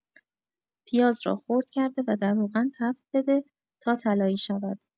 پیاز را خرد کرده و در روغن تفت بده تا طلایی شود.